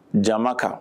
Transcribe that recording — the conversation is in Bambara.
Jama kan